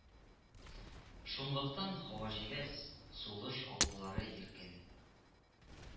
Шунлыктан, һава җиләс, сулыш алулары иркен